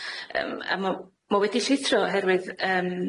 Yym, a ma' ma' wedi llithro oherwydd yym